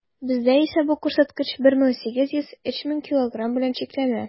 Бездә исә бу күрсәткеч 1800 - 3000 килограмм белән чикләнә.